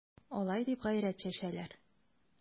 Алай дип гайрәт чәчәләр...